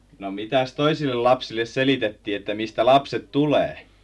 no mitäs toisille lapsille selitettiin että mistä lapset tulee